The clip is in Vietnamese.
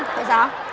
tại sao